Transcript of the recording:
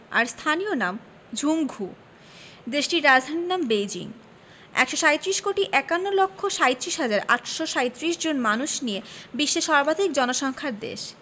আর স্থানীয় নাম ঝুংঘু দেশটির রাজধানীর নাম বেইজিং ১৩৭ কোটি ৫১ লক্ষ ৩৭ হাজার ৮৩৭ জন মানুষ নিয়ে বিশ্বের সর্বাধিক জনসংখ্যার দেশ